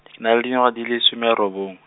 ke na le dingwaga di le, some robongwe.